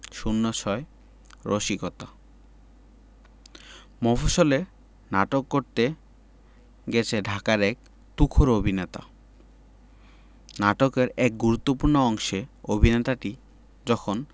০৬ রসিকতা মফশ্বলে নাটক করতে গেছে ঢাকার এক তুখোর অভিনেতা নাটকের এক গুরুত্তপূ্র্ণ অংশে অভিনেতাটি যখন